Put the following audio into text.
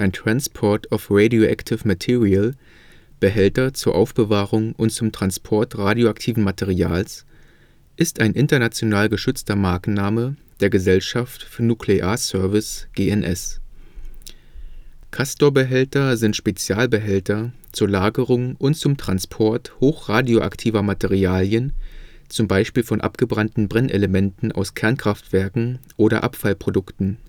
transport of radioactive material „ Behälter zur Aufbewahrung und zum Transport radioaktiven Materials “) ist ein international geschützter Markenname der Gesellschaft für Nuklear-Service (GNS). Castor-Behälter sind Spezialbehälter zur Lagerung und zum Transport hochradioaktiver Materialien, zum Beispiel von abgebrannten Brennelementen aus Kernkraftwerken oder Abfallprodukten